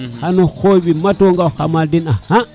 xano xooy we mto nga xamal na den axa